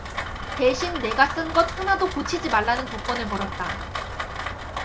대신 내가 쓴 것 하나도 고치지 말라는 조건을 걸었다